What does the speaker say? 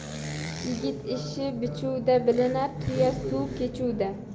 yigit ishi bichuvda bilinar tuya suv kechuvda